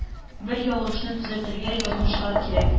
Бер ялгышны төзәтергә язмышлар кирәк.